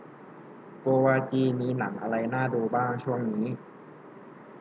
โกวาจีมีหนังอะไรน่าดูบ้างช่วงนี้